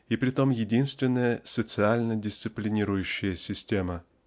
и притом единственная социально дисциплинирующая система.